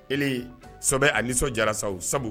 Ele, sɔbɛ a nisɔn diyara sa o sabu